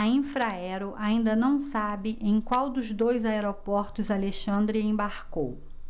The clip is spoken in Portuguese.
a infraero ainda não sabe em qual dos dois aeroportos alexandre embarcou